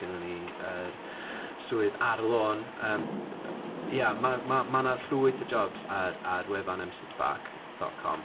gennyn ni yr swydd ar lon... yym, ia ma' ma' ma' 'na llwyth o jobs ar ar wefan M-SParc.com...